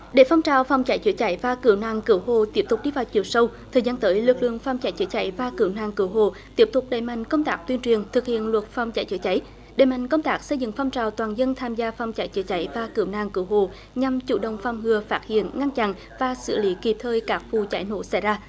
để phong trào phòng cháy chữa cháy và cứu nạn cứu hộ tiếp tục đi vào chiều sâu thời gian tới lực lượng phòng cháy chữa cháy và cứu nạn cứu hộ tiếp tục đẩy mạnh công tác tuyên truyền thực hiện luật phòng cháy chữa cháy đẩy mạnh công tác xây dựng phong trào toàn dân tham gia phòng cháy chữa cháy và cứu nạn cứu hộ nhằm chủ động phòng ngừa phát hiện ngăn chặn và xử lý kịp thời các vụ cháy nổ xảy ra